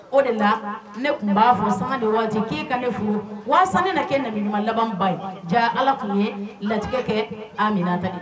O de la ne tun b'a fɔ san de waati k'e ka ne furu waa na kɛ nabima labanba ye ala tun ye latigɛ kɛ a minɛn ta